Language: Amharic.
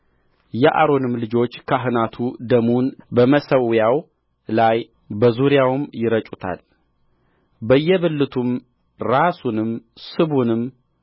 የአሮንም ልጆች ካህናቱ ደሙን በመሠዊያው ላይ በዙሪያው ይረጩታልበየብልቱም ራሱንም ስቡንም